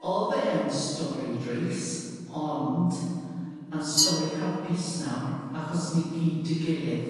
O'dd e yn stori dris ond yn stori hapus nawr achos ni gyd 'dy gilydd.